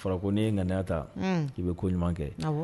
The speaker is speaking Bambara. Fara ko n'i ye ŋya ta i bɛ ko ɲuman kɛ